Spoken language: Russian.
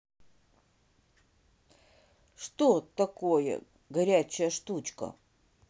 что такое горячая штучка